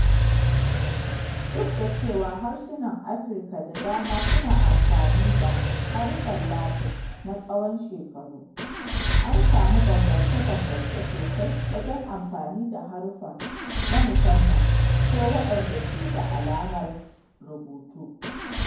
Duk da cewa harsunan Afrika da dama suna amfani da haruffan Latin na tsawon shekaru, an samu bambance-bambance sosai wajen amfani da haruffa na musamman ko waɗanda ke da alamar rubutu.